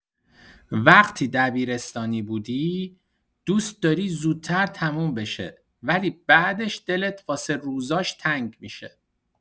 وقتی دبیرستانی بودی، دوست‌داری زودتر تموم بشه ولی بعدش دلت واسه روزاش تنگ می‌شه.